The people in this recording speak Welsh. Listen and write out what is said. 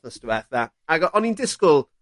wthnos dwetha ag o- o'n i'n disgwl